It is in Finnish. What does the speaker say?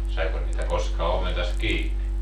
Saiko niitä koskaan ometasta kiinni